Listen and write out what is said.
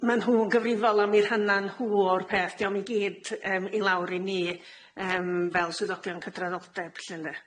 Ma' nhw'n gyfrifol am'i rhana nhw o'r peth dio'm i gyd yym i lawr i ni yym fel swyddogion cydraddoldeb 'lly ynde?